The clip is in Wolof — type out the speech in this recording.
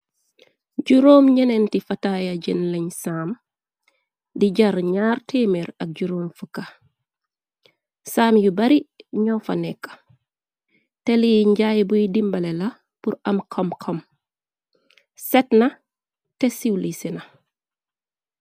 Juróom ñeneenti fataaya jën lañ saam di jar 2ia tmr ak jurom pukka, saam yu bari ñoo fa nekk te lii njaay buy dimbale la pur am xomkom set na te siiw li sina.